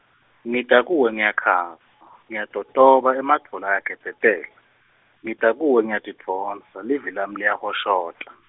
ngita kuwe ngiyakhasa, Ngiyatotoba, emadvolo ayagedzetela, ngita kuwe ngiyatidvonsa, livi lami liyahoshota.